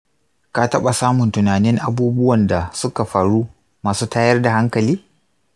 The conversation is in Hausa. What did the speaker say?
ka taɓa samun tunanin abubuwan da suka faru masu tayar da hankali?